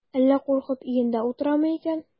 Әллә куркып өендә утырамы икән?